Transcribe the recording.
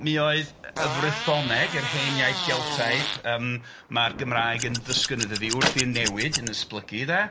Mi oedd y Frythoneg yr hen iaith Geltaidd, yym mae'r Gymraeg yn ddisgynydd iddi wrthi yn newid, yn esblygu de.